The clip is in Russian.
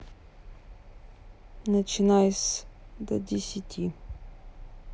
начинай с до десяти